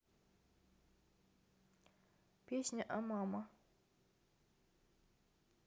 песня о мама